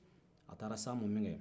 a taara s'a ma min kɛ